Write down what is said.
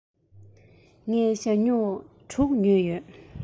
ངས ཞྭ སྨྱུག དྲུག ཉོས ཡོད